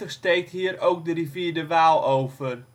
steekt hier ook de rivier de Waal over